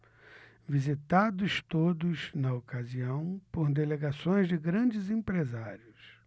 visitados todos na ocasião por delegações de grandes empresários